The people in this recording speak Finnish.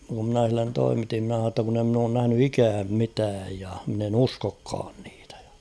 kun minä sille toimitin minä sanoin jotta kun en minä ole nähnyt ikänä mitään ja minä en uskokaan niitä ja